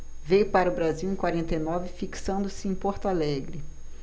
veio para o brasil em quarenta e nove fixando-se em porto alegre